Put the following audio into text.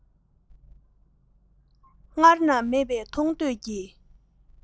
སྔར ན མེད པའི མཐོང ཐོས ཀྱི